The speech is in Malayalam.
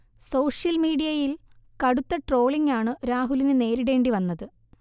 സോഷ്യൽ മിഡീയയിൽ കടുത്ത ട്രോളിംഗ് ആണു രാഹുലിനു നേരിടേണ്ടിവന്നത്